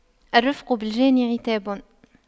الرفق بالجاني عتاب